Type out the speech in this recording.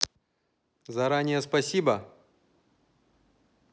заранее спасибо